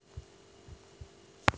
сегодня солнечно